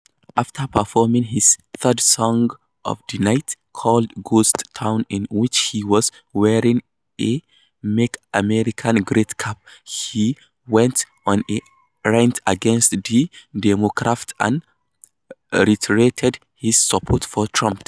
After performing his third song of the night, called Ghost Town in which he was wearing a Make America Great cap, he went on a rant against the Democrats and reiterated his support for Trump.